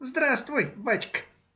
— Здравствуй, бачка!